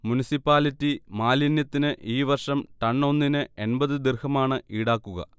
municipality മാലിന്യത്തിന്ഈ വർഷം ton ഒന്നിന് എൺപത് ദിർഹമാണ്ഇടാക്കുക